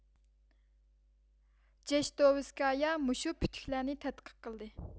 جېشتوۋېسكايا مۇشۇ پۈتۈكلەرنى تەتقىق قىلدى